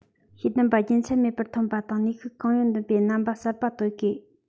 ཤེས ལྡན པ རྒྱུན ཆད མེད པར ཐོན པ དང ནུས ཤུགས གང ཡོད འདོན པའི རྣམ པ གསར པ གཏོད དགོས